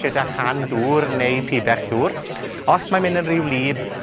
gyda chan dŵr neu pibell ddŵr. Os mae'n myn' yn ry wlyb,